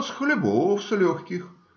- С хлебов с легких.